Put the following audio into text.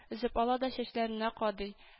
Өзеп ала да чәчләренә кадый